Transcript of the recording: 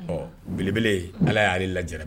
Ɔ belebele ala y'aale laja